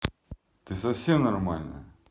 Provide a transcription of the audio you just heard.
ты совсем ненормальная